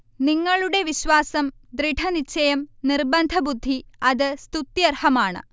നിങ്ങളുടെ വിശ്വാസം, ദൃഢനിശ്ചയം നിർബന്ധബുദ്ധി അത് സ്തുത്യർഹമാണ്